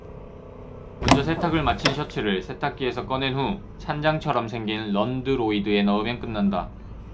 먼저 세탁을 마친 셔츠를 세탁기에서 꺼낸 후 찬장처럼 생긴 런드로이드에 넣으면 끝난다